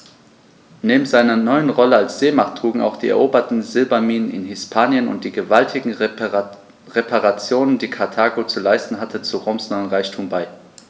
Neben seiner neuen Rolle als Seemacht trugen auch die eroberten Silberminen in Hispanien und die gewaltigen Reparationen, die Karthago zu leisten hatte, zu Roms neuem Reichtum bei.